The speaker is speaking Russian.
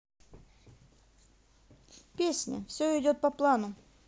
песня все идет по плану